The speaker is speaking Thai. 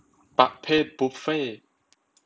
ประเภทบุฟเฟ่ต์